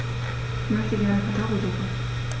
Ich möchte gerne Kartoffelsuppe.